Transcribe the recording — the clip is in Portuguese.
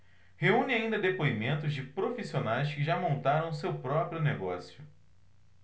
reúne ainda depoimentos de profissionais que já montaram seu próprio negócio